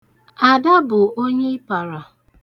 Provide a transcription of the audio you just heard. Ada bụ onye ịpara.